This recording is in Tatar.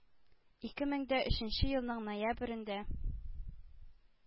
Ике мең дә өченче елның ноябрендә